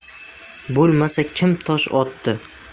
bo'lmasa kim tosh otdi